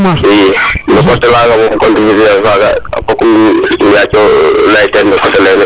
i no cote laga moom individuel fok nu yaco ley ten no coté lene